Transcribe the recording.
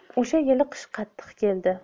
o'sha yili qish qattiq keldi